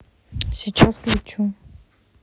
сейчас включу